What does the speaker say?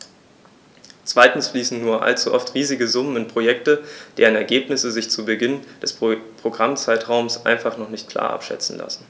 Zweitens fließen nur allzu oft riesige Summen in Projekte, deren Ergebnisse sich zu Beginn des Programmzeitraums einfach noch nicht klar abschätzen lassen.